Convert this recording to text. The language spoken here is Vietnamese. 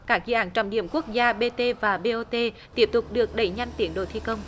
các dự án trọng điểm quốc gia bê tê và bê ô tê tiếp tục được đẩy nhanh tiến độ thi công